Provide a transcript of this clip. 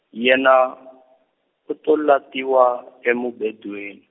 yena, u to latiwa, emubedweni.